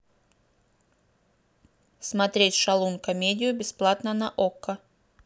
смотреть шалун комедию бесплатно на окко